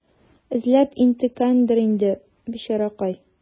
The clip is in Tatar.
Эзләп интеккәндер инде, бичаракай.